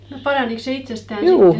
no paranikos se itsestään sitten